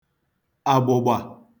àgbụ̀gbà